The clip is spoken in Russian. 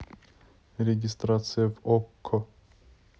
регистрация в окко